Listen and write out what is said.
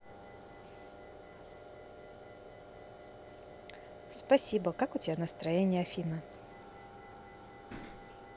спасибо как у тебя настроение афина